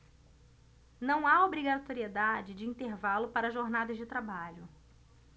não há obrigatoriedade de intervalo para jornadas de trabalho